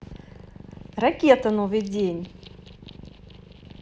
ракета новый день